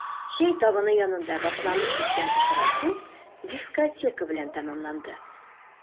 Чәй табыны янында башланып киткән очрашу дискотека белән тәмамланды.